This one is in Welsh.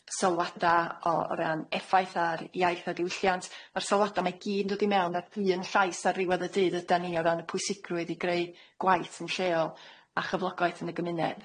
Sylwada' o ran effaith ar iaith a diwylliant. Ma'r sylwada' 'ma i gyd yn dod i mewn, ac un llais ar ddiwedd y dydd ydan ni o ran y pwysigrwydd i greu gwaith yn lleol a chyflogaeth yn y gymuned.